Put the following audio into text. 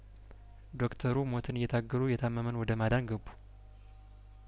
ዶክተሩ ሞትን እየታገሉ የታመመን ወደ ማዳን ገቡ